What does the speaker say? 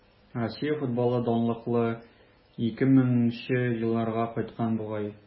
Россия футболы данлыклы 2000 нче елларга кайткан бугай.